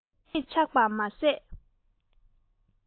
ནག དྲེག ཆགས པ མ ཟད